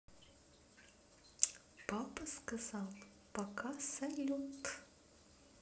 папа сказал пока салют